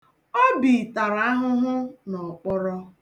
Obi tara ahụhụ n'ọkpọrọ.